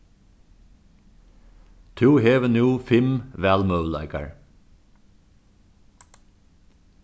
tú hevur nú fimm valmøguleikar